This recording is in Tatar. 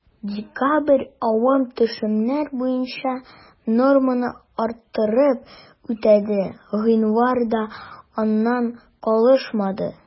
Декабрь явым-төшемнәр буенча норманы арттырып үтәде, гыйнвар да аннан калышмады.